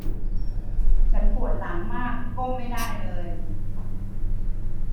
ฉันปวดหลังมากก้มไม่ได้เลย